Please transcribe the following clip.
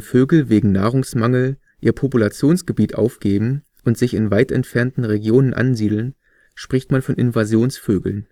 Vögel wegen Nahrungsmangel ihr Populationsgebiet aufgeben und sich in weit entfernten Regionen ansiedeln, spricht man von Invasionsvögeln.